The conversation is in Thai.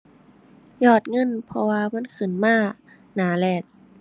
ยอดเงิน เพราะว่ามันขึ้นมาหน้าแรก